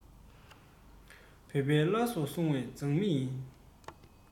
བོད པའི བླ སྲོག སྲུང བའི མཛངས མི ཡིན